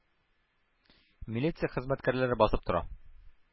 Милиция хезмәткәрләре басып тора.